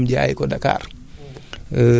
jël ñebe ji dem jaayi ko Dakar